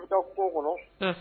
U bɛ taa kungo kɔnɔ